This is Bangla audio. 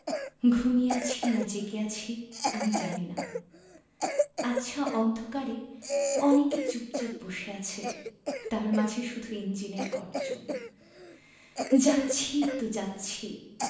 ঘুমিয়ে আছি না জেগে আছি আমি জানি না আবছা অন্ধকারে অনেকে চুপচাপ বসে আছে তার মাঝে শুধু ইঞ্জিনের গর্জন যাচ্ছি তো যাচ্ছি